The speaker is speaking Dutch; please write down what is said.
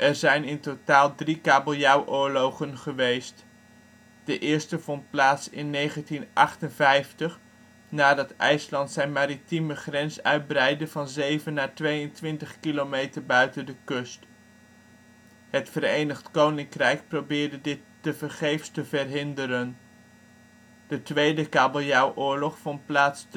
zijn in totaal drie kabeljauwoorlogen geweest. De eerste vond plaats in 1958, nadat IJsland zijn maritieme grens uitbreidde van 7 naar 22 kilometer buiten de kust. Het Verenigd Koninkrijk probeerde dit tevergeefs te verhinderen. De tweede kabeljauwoorlog vond plaats